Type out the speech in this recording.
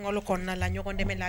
Kolon kɔnɔna la ɲɔgɔn